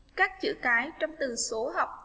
các chữ cái trong từ số học